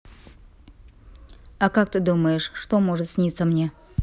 а как ты думаешь что может сниться мне